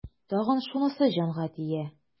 Тагын шунысы җанга тия.